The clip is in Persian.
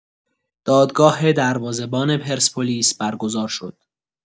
دادگاه دروازه‌بان پرسپولیس برگزار شد.